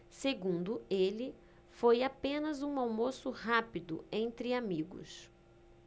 segundo ele foi apenas um almoço rápido entre amigos